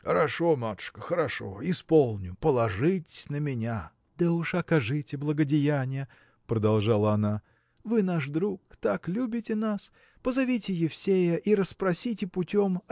– Хорошо, матушка, хорошо, исполню: положитесь на меня. – Да уж окажите благодеяние – продолжала она – вы наш друг так любите нас позовите Евсея и расспросите путем